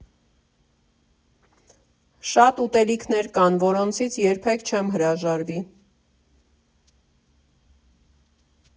Շատ ուտելիքներ կան, որոնցից երբեք չեմ հրաժարվի։